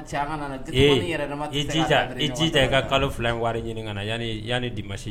I ji i ka kalo fila wari ɲini yanani di masi